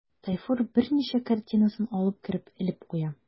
Тайфур берничә картинасын алып кереп элеп куя.